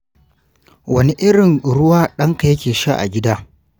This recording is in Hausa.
wani irin ruwa ɗan ka yake sha a gida?